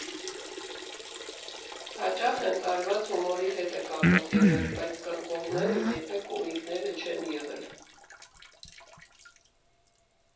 Հաճախ հենց արված հումորի հետ է կապված եղել, բայց կռվողները երբեք կոմիկները չեն եղել։